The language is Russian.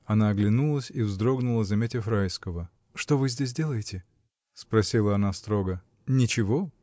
Она оглянулась и вздрогнула, заметив Райского. — Что вы здесь делаете? — спросила она строго. — Ничего.